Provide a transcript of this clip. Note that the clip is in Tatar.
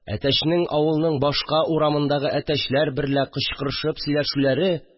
Әтәчнең авылның башка урамындагы әтәчләр берлә кычкырышып сөйләшүләре